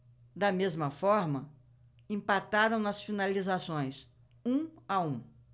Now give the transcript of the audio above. da mesma forma empataram nas finalizações um a um